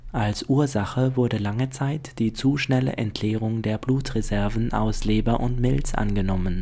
Als Ursache wurde lange Zeit die zu schnelle Entleerung der Blutreserven aus Leber und Milz angenommen